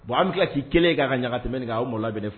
Bon an be tila k'i kɛlen ye ka ka ɲa ka tɛmɛ nin kan a o moloya be ne f